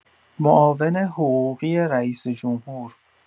معاون حقوقی رئیس‌جمهور